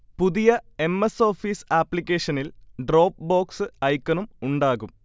പുതിയ M. S. Office ആപ്ലിക്കേഷനിൽ Dropbox ഐക്കണും ഉണ്ടാകും